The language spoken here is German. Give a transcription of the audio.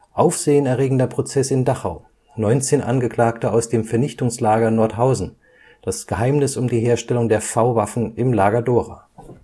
Aufsehenerregender Prozeß in Dachau. 19 Angeklagte aus dem Vernichtungslager Nordhausen − Das Geheimnis um die Herstellung der V-Waffen im Lager Dora “. In